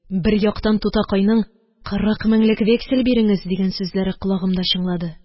Бер яктан тутакайның «Кырык меңлек вексель биреңез!» дигән сүзләре колагымда чыңлады.